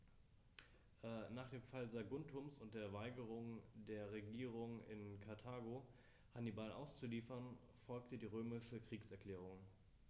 Nach dem Fall Saguntums und der Weigerung der Regierung in Karthago, Hannibal auszuliefern, folgte die römische Kriegserklärung.